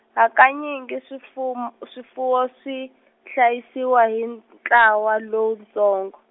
hakanyingi swifum- swifuwo swi, hlayisiwa hi ntlawa lowutsongo.